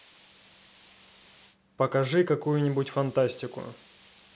покажи какую нибудь фантастику